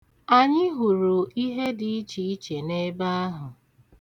Anyị hụrụ ihe dị ichiiche n'ebe ahụ.